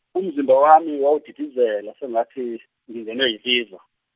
umzimba wami wawudidizela sengathi ngingenwe imfiva.